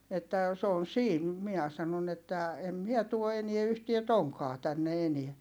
että se on siinä minä sanoin että en minä tuo enää yhtään tonkkaa tänne enää